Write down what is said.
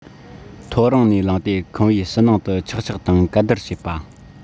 ཐོ རངས ནས ལངས ཏེ ཁང པའི ཕྱི ནང དུ ཆག ཆག དང གད བདར བྱེད པ